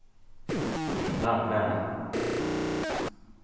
ert tú klár at fara